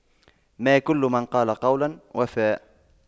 ما كل من قال قولا وفى